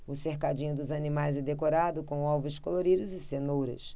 o cercadinho dos animais é decorado com ovos coloridos e cenouras